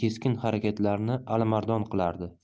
yurgan keskin harakatlarni alimardon qilardi